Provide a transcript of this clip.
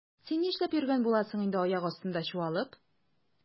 Син нишләп йөргән буласың инде аяк астында чуалып?